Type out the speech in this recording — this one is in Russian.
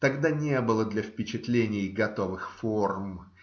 Тогда не было для впечатлений готовых форм